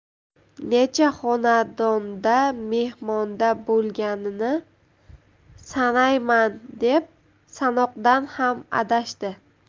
necha xonadonda mehmonda bo'lganini sanayman deb sanoqdan ham adashdi